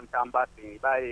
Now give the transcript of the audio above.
N tanba kun b'a ye